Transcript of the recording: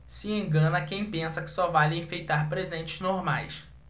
se engana quem pensa que só vale enfeitar presentes normais